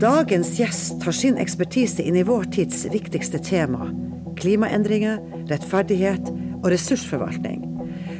dagens gjest har sin ekspertise inn i vår tids viktigste tema klimaendringer, rettferdighet og ressursforvaltning.